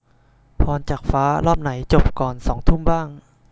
พรจากฟ้ารอบไหนจบก่อนสองทุ่มบ้าง